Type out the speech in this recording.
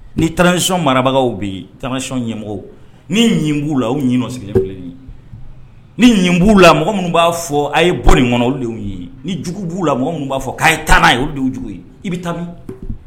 Ni tanc marabagaw bɛ tansi ɲɛmɔgɔ ni b'u la o ɲinin sigilen filɛ ye ni b'u la mɔgɔ minnu b'a fɔ a ye bɔ nin kɔnɔ de ye jugu b'u la mɔgɔ minnu b'a fɔ' ye taa n'a ye o denwjugu ye i bɛ tabi